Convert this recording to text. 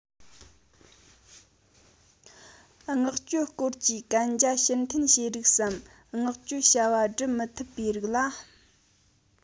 མངགས བཅོལ སྐོར གྱི གན རྒྱ ཕྱིར འཐེན བྱས རིགས སམ མངགས བཅོལ བྱ བ སྒྲུབ མི ཐུབ པའི རིགས ལ